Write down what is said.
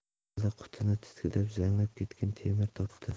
vali qutini titkilab zanglab ketgan temir topdi